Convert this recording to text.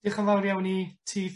Dioch yn fawr i ti...